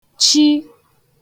chi